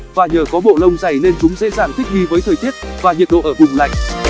và nhờ có bộ lông dày nên chúng dễ dàng thích nghi với thời tiết và nhiệt độ ở vùng lạnh